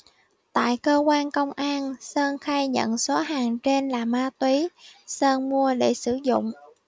tại cơ quan công an sơn khai nhận số hàng trên là ma túy sơn mua để sử dụng